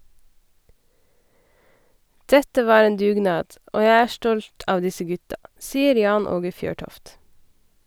Dette var en dugnad, og jeg er stolt av disse gutta, sier Jan Åge Fjørtoft.